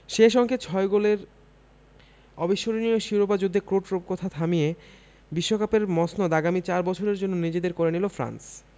শেষ অঙ্কে ছয় গোলের অবিস্মরণীয় শিরোপা যুদ্ধে ক্রোট রূপকথা থামিয়ে বিশ্বকাপের মসনদ আগামী চার বছরের জন্য নিজেদের করে নিল ফ্রান্স